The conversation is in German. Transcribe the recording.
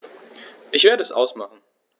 Ich werde es ausmachen